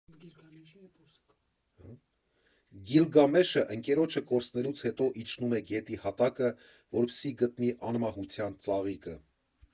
Գիլգամեշը՝ ընկերոջը կորցնելուց հետո իջնում է գետի հատակը, որպեսզի գտնի անմահության ծաղիկը…